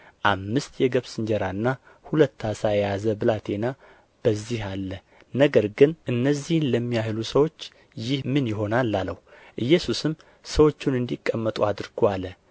አምስት የገብስ እንጀራና ሁለት ዓሣ የያዘ ብላቴና በዚህ አለ ነገር ግን እነዚህን ለሚያህሉ ሰዎች ይህ ምን ይሆናል አለው ኢየሱስም ሰዎቹን እንዲቀመጡ አድርጉ አለ